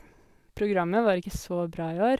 Programmet var ikke så bra i år.